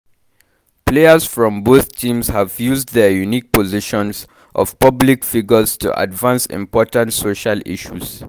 Players from both teams have used their unique positions of public figures to advance important social issues.